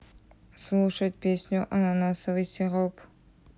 слушать песню ананасовый сироп